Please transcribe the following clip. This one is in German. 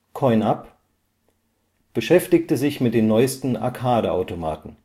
Coin-Up: Beschäftigte sich mit den neuesten Arcade-Automaten